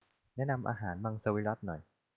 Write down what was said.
แนะนำอาหารมังสวิรัติหน่อย